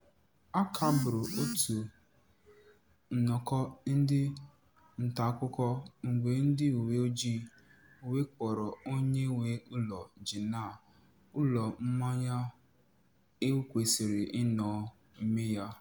A kagburu otu nnọkọ ndị ntaakụkọ mgbe ndị uweojii wakporo onye nwe ụlọ Janeer, ụlọ mmanya e kwesịrị ịnọ mee ya.